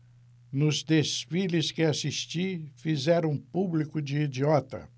nos desfiles que assisti fizeram o público de idiota